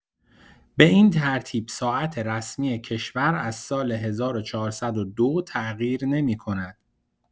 به این ترتیب ساعت رسمی کشور از سال ۱۴۰۲ تغییر نمی‌کند.